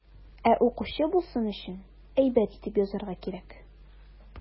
Ә укучы булсын өчен, әйбәт итеп язарга кирәк.